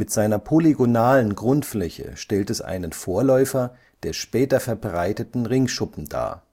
seiner polygonalen Grundfläche stellt es einen Vorläufer der später verbreiteten Ringschuppen dar